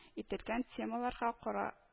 Ителгән темаларга кара